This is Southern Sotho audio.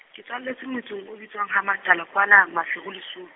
ke tswaletswe motseng o bitswang ha matala, kwana Maseru o Leso-.